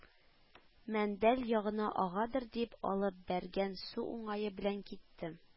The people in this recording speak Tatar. Мәндәл ягына агадыр дип, алып бәргән су уңае белән китте